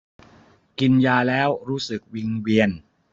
กินยาแล้วรู้สึกวิงเวียน